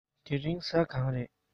དེ རིང གཟའ གང རས